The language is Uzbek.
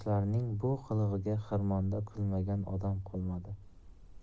xirmonda kulmagan odam qolmadi